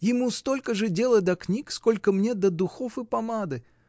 — Ему столько же дела до книг, сколько мне до духов и помады.